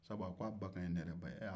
sabu a ko a ba kaɲi ni ne yɛrɛ ba ye